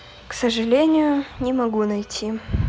к сожалению не могу найти